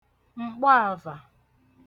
m̀kpọàvà